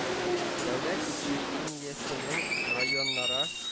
Дәүләт учреждениесенең районара